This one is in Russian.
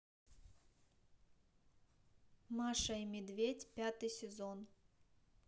маша и медведь пятый сезон